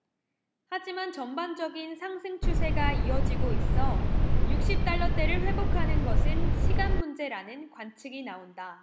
하지만 전반적인 상승 추세가 이어지고 있어 육십 달러대를 회복하는 것은 시간문제라는 관측이 나온다